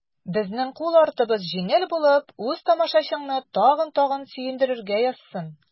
Безнең кул артыбыз җиңел булып, үз тамашачыңны тагын-тагын сөендерергә язсын.